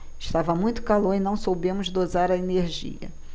estava muito calor e não soubemos dosar a energia